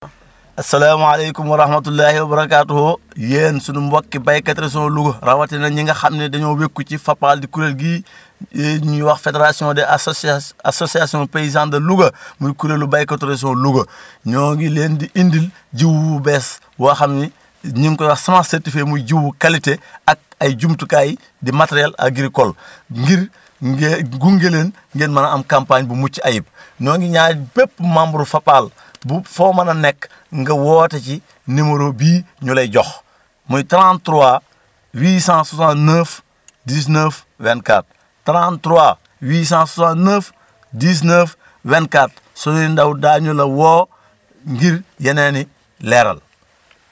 asalaamaaleykum wa raxmatulaaxi wa barakaatuxoo yéen sunu mbokki baykat région Louga rawatina ñi nga xam ni dañoo wékku ci Fapal di kuréel gii ñuy wax fédération des associas des associations paysans de Louga muy kuréelu béykatu région Louga ñoo ngi leen di indil jiwu wu bees boo xam ni ñu ngi koy wax semence certifiée muy jiwu qualité ak ay jumtukaay di matériels agricoles ngir ngeen gunge leen ngir mën a am campagne bu mucc ayib ñoo ngi ñaanit bépp membre Fapal bu foo mën a nekk nga woote ci numéro bii ñu lay jox muy 33 869 19 24 33 869 19 24 suñuy ndaw daañu la woo ngir yeneen i leeral